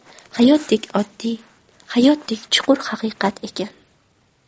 hayotdek oddiy hayotdek chuqur haqiqat ekan